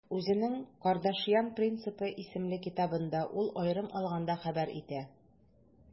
Үзенең «Кардашьян принципы» исемле китабында ул, аерым алганда, хәбәр итә: